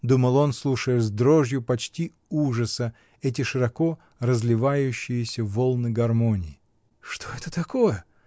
— думал он, слушая с дрожью почти ужаса эти широко разливающиеся волны гармонии. — Что это такое?